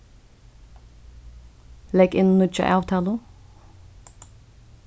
legg inn nýggja avtalu